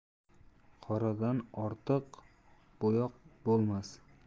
qoradan ortiq bo'yoq bo'lmas